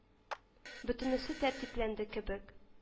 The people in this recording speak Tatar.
Бөтенесе тәртипләнде кебек